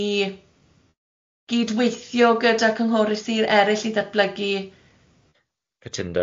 i gydweithio gyda cynghorydd sir eryll i ddatblygu cytundeb